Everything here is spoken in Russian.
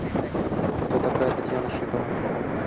кто такая татьяна шитова